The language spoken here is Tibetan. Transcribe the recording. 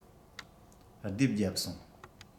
རྡེབ རྒྱབ སོང